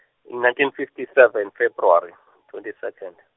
nineteen fifty seven, February, twenty second.